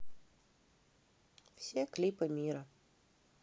все клипы мира